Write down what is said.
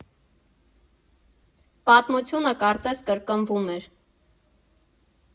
Պատմությունը կարծես կրկնվում էր։